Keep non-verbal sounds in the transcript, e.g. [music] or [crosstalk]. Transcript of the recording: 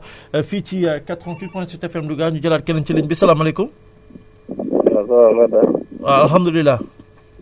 [hesitation] 33 967 43 00 [breath] fii ci 88 point 7 FM [noise] Louga ñu jëlaat keneen ci ligne bi salaamaaleykum